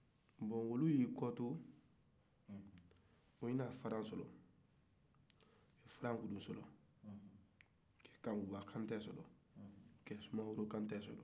bon olu ye kɔ to u ye faran sɔrɔ ka farankulu sɔrɔ ka kankuba kante sɔrɔ ka sumaworo kanke sɔrɔ